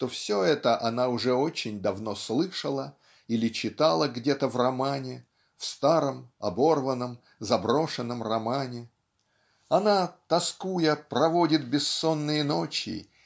что все это она уже очень давно слышала или читала где-то в романе в старом оборванном заброшенном романе. Она тоскуя проводит бессонные ночи